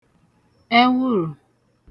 ẹwụrụ̀